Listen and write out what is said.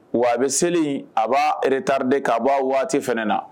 Wa a bɛ seli a b'a retari de k kaa bɔ waati fana na